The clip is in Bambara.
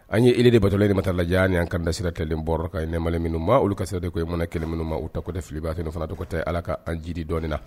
An yeeli de basɔrɔli inta lajɛ'a' kandasesira kelen bɔ ka ɲɛmaen minnu ma olu kasɛ de ko e mana kelen minnu ma u tatɛ fililibba sen fana tɔgɔtɛ ala ka an ji dɔn